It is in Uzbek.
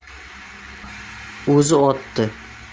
o'zi otdi